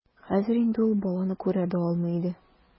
Хәзер инде ул баланы күрә дә алмый иде.